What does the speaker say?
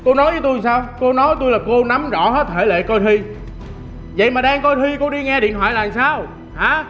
cô nói tôi là sao cô nói với tôi là cô nắm rõ hết thể lệ coi thi vậy mà đang coi thi cô đi nghe điện thoại là sao hả